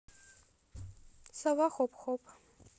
сова хоп хоп